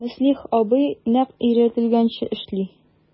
Мөслих абый нәкъ өйрәтелгәнчә эшли...